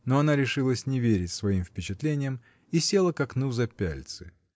но она решилась не верить своим впечатлениям и села к окну за пяльцы.